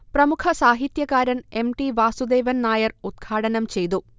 പ്രമുഖസാഹിത്യകാരൻ M. T. Vasudevan Nair ഉദ്ഘാടനം ചെയ്തു